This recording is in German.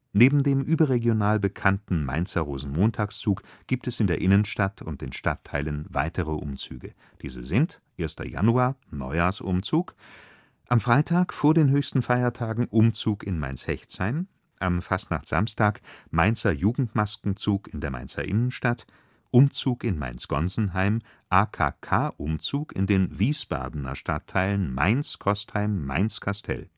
Neben dem überregionalbekannten Mainzer Rosenmontagszug gibt es in der Innenstadt und den Stadtteilen weitere Umzüge, diese sind: 1. Januar: Neujahrsumzug Freitag: Umzug in Mainz-Hechtsheim Samstag: Mainzer Jugendmaskenzug in der Mainzer Innenstadt Umzug in Mainz-Gonsenheim AKK-Umzug in den Wiesbadener Stadtteilen Mainz-Kostheim, Mainz-Kastel